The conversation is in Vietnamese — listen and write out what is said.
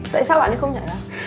tại sao bạn ấy không nhận